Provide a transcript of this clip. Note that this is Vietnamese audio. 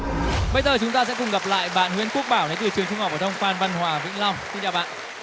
bây giờ chúng ta sẽ cùng gặp lại bạn nguyễn quốc bảo đến từ trường trung học phổ thông phan văn hòa vĩnh long xin chào bạn